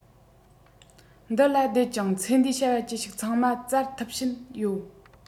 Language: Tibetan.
འདི ལ བསྡད ཅིང ཚེ འདིའི བྱ བ ཅི ཞིག ཚང མ བཙལ ཐུབ ཕྱིན ཡོད